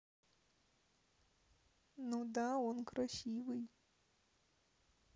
ну да он красивый